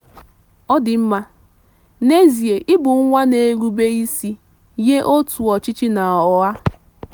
Ọ dị mma, n'ezie ị bụ nwa na-erube isi nye òtù ọchịchị na ọha.